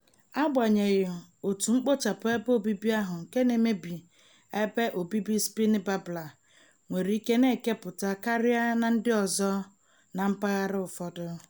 Agbanyeghị, otu mkpochapụ ebe obibi ahụ nke na-emebi ebe obibi Spiny Babbler nwere ike na-ekepụta karịa na ndị ọzọ na mpaghara ụfọdụ.